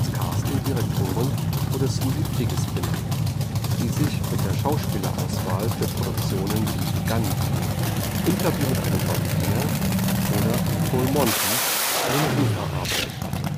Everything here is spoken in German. Casting-Direktorin wurde Susie Figgis benannt, die sich mit der Schauspielerauswahl für Produktionen wie Gandhi, Interview mit einem Vampir oder The Full Monty einen Ruf erarbeitet hatte